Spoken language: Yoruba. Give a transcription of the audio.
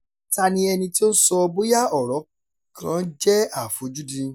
Ta ni ẹni tí ó ń sọ bóyá ọ̀rọ̀ kan jẹ́ àfojúdi?